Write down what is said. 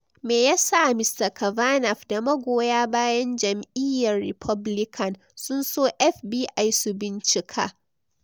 Me yasa Mr Kavanaugh da magoya bayan jam'iyyar Republican sun so FBI su bincika?